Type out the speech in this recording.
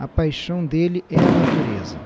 a paixão dele é a natureza